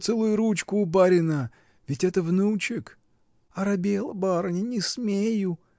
Поцелуй ручку у барина: ведь это внучек. — Оробела, барыня, не смею!